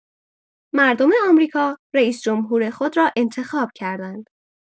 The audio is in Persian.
مردم آمریکا رئیس‌جمهور خود را انتخاب کردند.